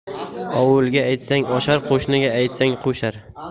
ovulga aytsang oshar qo'shniga aytsang qo'shar